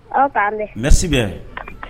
Aw k'an bɛn merci bien